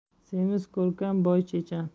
semiz ko'rkam boy chechan